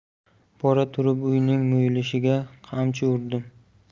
bora turib uyning muyulishiga qamchi urdim